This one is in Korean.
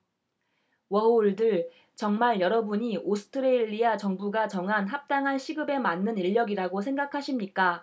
워홀들 정말 여러분이 오스트레일리아 정부가 정한 합당한 시급에 맞는 인력이라고 생각하십니까